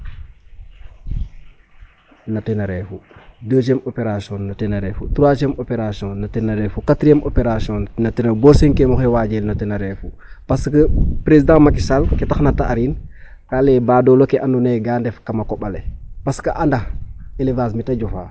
Na ten reefu deuxième opération na ten a reefu troixieme opration na ten a reefu quatrième opération na ten bo cinquième oxey waajel na ten a reefu .Parce que président Macky Sall ke taxna ta arin ka lay ee baadoola ke andoona yee ga ndef kam a koƥ ale parce que a anda élevage me ta jofaa.